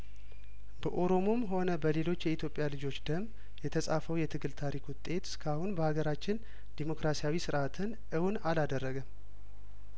በኦሮሞም ሆነ በሌሎች የኢትዮጵያ ልጆች ደም የተጻፈው የትግል ታሪክ ውጤት እስካሁን በሀገራችን ዲሞክራሲያዊ ስርአትን እውን አላደረገም